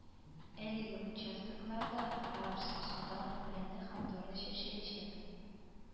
Әлеге участокларда рапс, судан үләне һәм тары чәчеләчәк